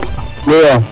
alo